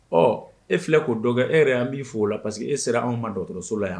Ɔ e filɛ k'o dɔ kɛ e yɛrɛ an b'i fo o la parce que e sera an ma dɔgɔtɔrɔso la yan.